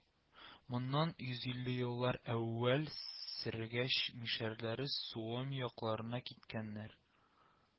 Моннан йөз илле еллар әүвәл сергәч мишәрләре Суоми якларына киткәннәр